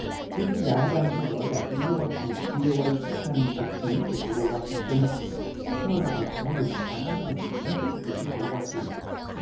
quý thính giả đang theo dõi đài tiếng nói hoa kỳ vi ô ây phát thanh trực tuyến từ thủ đô oa sinh tưn tiếp theo là bài xã luận phản ánh quan điểm chính thức của chính phủ hoa kỳ